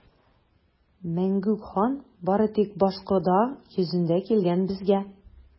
Мәңгүк хан бары тик башкода йөзендә килгән безгә!